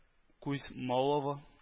Кузьмолово